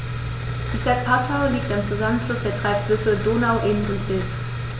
Die Stadt Passau liegt am Zusammenfluss der drei Flüsse Donau, Inn und Ilz.